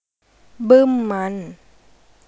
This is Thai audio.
บึ้มมัน